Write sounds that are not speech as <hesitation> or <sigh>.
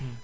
<hesitation>